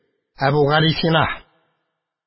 Әбүгалисина